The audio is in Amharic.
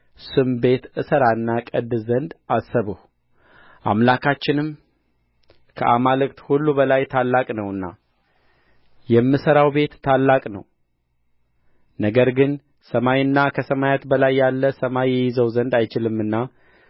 ስም ቤት እሠራና እቀድስ ዘንድ አሰብሁ አምላካችንም ከአማልክት ሁሉ በላይ ታላቅ ነውና የምሠራው ቤት ታላቅ ነው ነገር ግን ሰማይና ከሰማያት በላይ ያለ ሰማይ ይይዘው ዘንድ አይችልምና